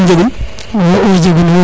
bonna an jegun